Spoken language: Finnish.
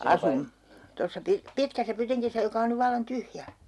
asuimme tuossa - pitkässä pytingissä joka on nyt vallan tyhjä